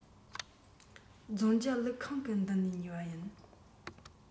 རྫོང རྒྱབ ཀླུ ཁང གི མདུན ནས ཉོས པ ཡིན